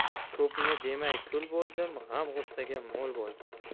ko'pni demay kul bo'ldim g'am g'ussaga mo'l bo'ldim